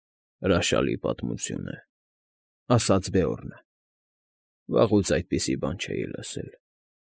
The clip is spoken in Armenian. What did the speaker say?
Հրաշալի պատմություն էր,֊ ասաց Բեորնը։֊ Վաղուց այդպիսի բան չէի լսել։